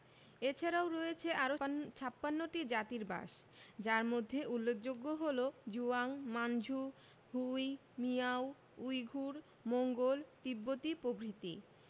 এছারাও রয়েছে আরও ৫৬ টি জাতির বাসযার মধ্যে উল্লেখযোগ্য হলো Zhuang Manchu Hui Miao Uyghur Mongol তিব্বতি প্রভৃতি